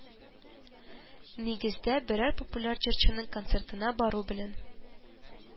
Нигездә, берәр популяр җырчының концертына бару белән